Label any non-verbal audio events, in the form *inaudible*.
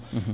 *hesitation* *hesitation*